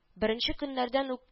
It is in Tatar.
Беренче көннәрдән үк